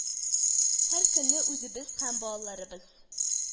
Һәркөнне үзебез һәм балаларыбыз